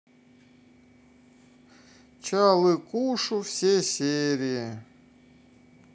чалыкушу все серии